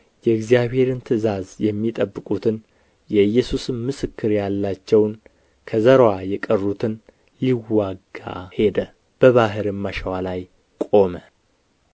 የእግዚአብሔርን ትእዛዛት የሚጠብቁትን የኢየሱስም ምስክር ያላቸውን ከዘርዋ የቀሩትን ሊዋጋ ሄደ በባሕርም አሸዋ ላይ ቆመ